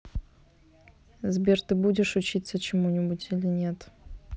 сбер ты будешь учиться чему нибудь или нет